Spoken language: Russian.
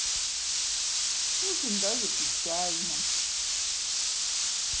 очень даже печально